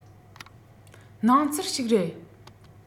སྣང ཚུལ ཞིག རེད